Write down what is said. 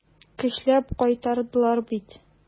Көчләп кайтардылар бит.